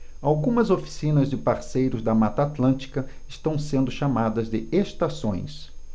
algumas oficinas de parceiros da mata atlântica estão sendo chamadas de estações